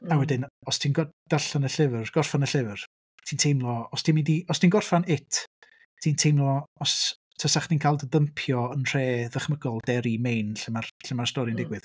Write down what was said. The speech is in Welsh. Mm... A wedyn os ti'n go- darllen y llyfr... gorffen y llyfr, ti'n teimlo... Os ti'n mynd i... os ti'n gorffen It, ti'n teimlo os... tasai chdi'n cael dy ddympio yn nhre ddychmygol Derry Main lle ma'r lle ma'r stori'n... mm. ...digwydd...